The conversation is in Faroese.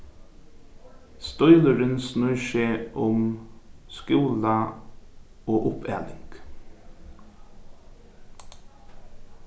stílurin snýr seg um skúla og uppaling